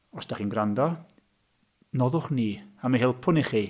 Os dach chi'n gwrando, noddwch ni, a mi helpwn ni chi...